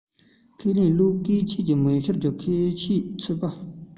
ཁས ལེན གློག སྐུད ཆད དེ མེ ཤོར བ ཁ ཤས ཚུད པ